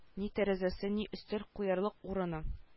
Ни тәрәзәсе ни өстәл куярлык урыны